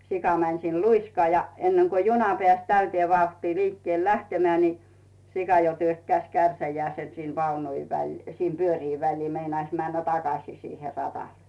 sika meni siinä luiskaan ja ennen kuin juna pääsi täyteen vauhtiin liikkeelle lähtemään niin sika jo työkkäsi kärsänsä sinne vaunut - sinne pyörien väliin meinasi mennä takaisin siihen radalle